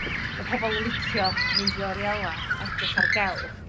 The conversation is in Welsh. ma' pobol y' licio mynd i oriela a edrych ar gelf...